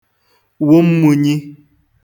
wụ mmūnyī